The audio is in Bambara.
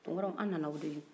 tunkaraw anw nana aw deli